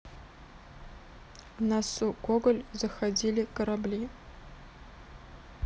в носу гоголь заходили корабли